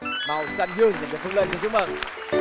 màu xanh dương dành cho phương linh xin chúc mừng